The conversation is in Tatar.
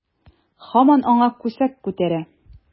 Һаман аңа күсәк күтәрә.